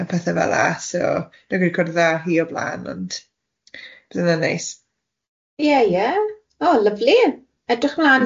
...a pethe fel'a so, wi ddim wedi cwrdd â hi o blân ond, bydde hynna'n neis.... ie ie o lyfli edrych mlan i